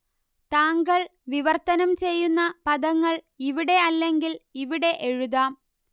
താങ്കൾ വിവർത്തനം ചെയ്യുന്ന പദങ്ങൾ ഇവിടെ അല്ലെങ്കിൽ ഇവിടെ എഴുതാം